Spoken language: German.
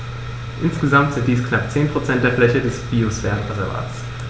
Insgesamt sind dies knapp 10 % der Fläche des Biosphärenreservates.